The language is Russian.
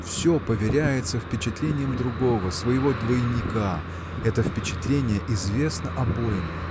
все поверяется впечатлением другого своего двойника это впечатление известно обоим